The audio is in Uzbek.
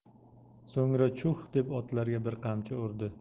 so'ngra chuh deb otlarga bir qamchi urdi